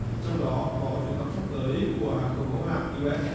trong đó có chuyến thăm sắp tới của hàng không mẫu hạm iu ét ét